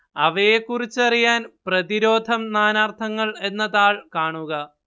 അവയെക്കുറിച്ചറിയാന്‍ പ്രതിരോധം നാനാര്ത്ഥങ്ങള് എന്ന താള് കാണുക